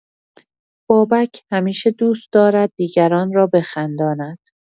بابک همیشه دوست دارد دیگران را بخنداند.